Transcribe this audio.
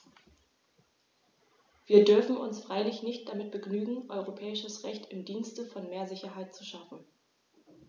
Wir dürfen uns freilich nicht damit begnügen, europäisches Recht im Dienste von mehr Sicherheit zu schaffen.